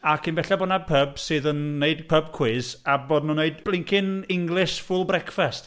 A cyn belled bod 'na pyb sydd yn wneud pyb cwis, a bod nhw'n wneud blinkin' English full breakfast.